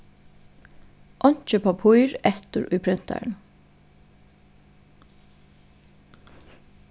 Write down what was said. einki pappír eftir í prentaranum